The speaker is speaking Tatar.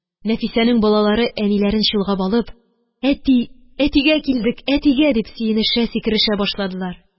Нәфисәнең балалары, әниләрен чолгап алып: – Әни, әтигә килдек, әтигә! – дип сөенешә, сикерешә башладылар